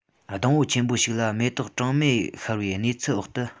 སྡོང བོ ཆེན པོ ཞིག ལ མེ ཏོག གྲངས མེད ཤར བའི གནས ཚུལ འོག ཏུ